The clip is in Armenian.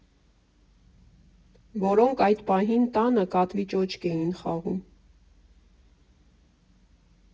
Որոնք այդ պահին տանը կատվի ճոճք էին խաղում։